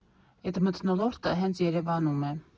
Էդ մթնոլորտը հենց Երևանում է։